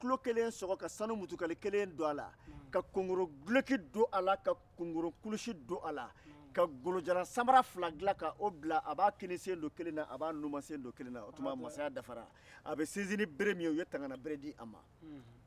ka tulo k len sg ka sun mutukale kelen don a la ka kongoro dulonki don a la ka kongoro kulusi don a la ka golojalan mabara fila dilan k'o bila a b'a kini sen don kelen na a b'a numan sen don kelen na o tuma mansaya dafara a bɛ sisinni bere min ye u ye tangannabere di a ma